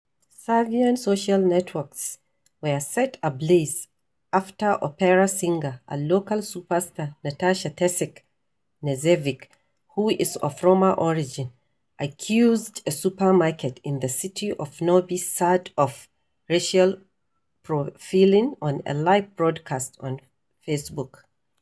Serbian social networks were set ablaze after opera singer and local superstar Nataša Tasić Knežević, who is of Roma origin, accused a supermarket in the city of Novi Sad of racial profiling on a live broadcast on Facebook.